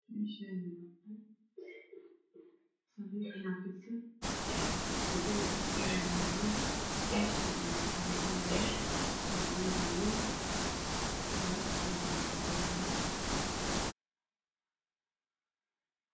Meshaani waa hool. sariir ayaa fidasan hidiy dhaqan ayaa yaalo barshi ayaataalo ayadoo yar aydoo weyan maro cadaan ayaa ku daboolan